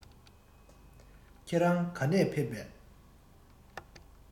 ཁྱེད རང ག ནས ཕེབས པས